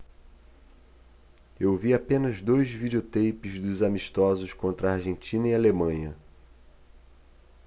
eu vi apenas dois videoteipes dos amistosos contra argentina e alemanha